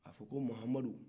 a fɔ ko mahamadu